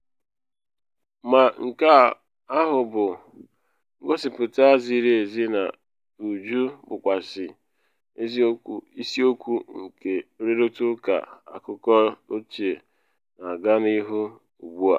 Ma nke ahụ abụ ngosipụta ziri ezi n’uju bụkwazị isiokwu nke nrịrụta ụka akụkọ ochie na aga n’ihu ugbu a.